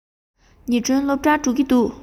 ཉི སྒྲོན སློབ གྲྭར འགྲོ གི འདུག